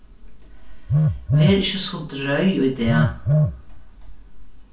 ver ikki so droy í dag